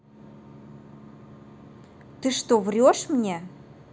ты что врешь мне